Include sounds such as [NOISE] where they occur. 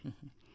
[HESITATION] [HESITATION]